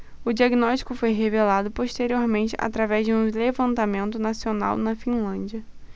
o diagnóstico foi revelado posteriormente através de um levantamento nacional na finlândia